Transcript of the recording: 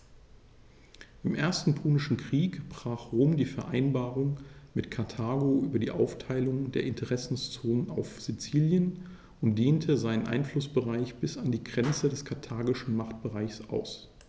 Im Ersten Punischen Krieg brach Rom die Vereinbarung mit Karthago über die Aufteilung der Interessenzonen auf Sizilien und dehnte seinen Einflussbereich bis an die Grenze des karthagischen Machtbereichs aus.